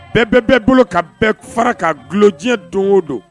Bɛɛ bɛ bɛɛ bolo kan bɛɛ fara ka dulo diɲɛ don o don.